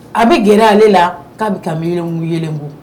A bɛ g ale la k'a bɛ ka mikun yelen bɔ